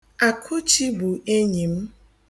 Akụchi bụ enyi m.